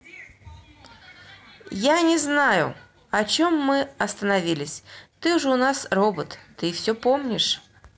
я не знаю о чем мы остановились ты же у нас робот ты все помнишь